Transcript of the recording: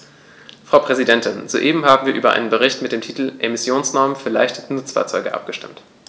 Frau Präsidentin, soeben haben wir über einen Bericht mit dem Titel "Emissionsnormen für leichte Nutzfahrzeuge" abgestimmt.